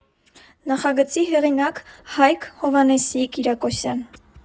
Նախագծի հեղինակ՝ Հայկ Հովհաննեսի Կիրակոսյան.